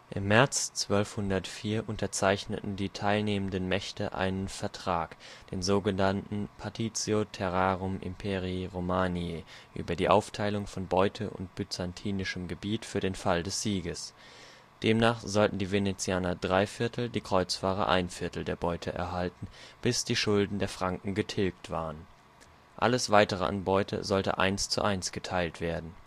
Im März 1204 unterzeichneten die teilnehmenden Mächte einen Vertrag (den sog. Partitio Terrarum Imperii Romaniae) über die Aufteilung von Beute und byzantinischem Gebiet für den Fall des Sieges. Demnach sollten die Venezianer drei Viertel, die Kreuzfahrer ein Viertel der Beute erhalten, bis die Schulden der Franken getilgt waren. Alles weitere an Beute sollte eins zu eins geteilt werden